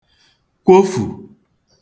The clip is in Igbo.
kwofù